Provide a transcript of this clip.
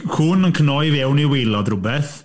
Cŵn yn cnoi fewn i waelod rywbeth.